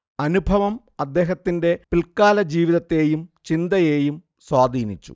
അനുഭവം അദ്ദേഹത്തിന്റെ പിൽക്കാലജീവിതത്തേയും ചിന്തയേയും സ്വാധീനിച്ചു